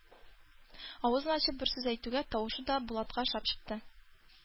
Авызын ачып бер сүз әйтүгә тавышы да Булатка ошап чыкты.